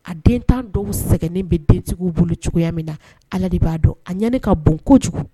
A den tan dɔw sɛgɛnnen bɛ dentigiw bolo cogoya min na Ala de b'a dɔn a ɲani ka bon kojugu.